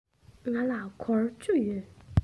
ང ལ སྒོར བཅུ ཡོད